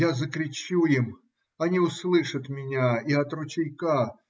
Я закричу им; они услышат меня и от ручейка.